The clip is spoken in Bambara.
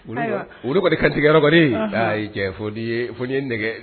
Kɔni katigi f ye nɛgɛ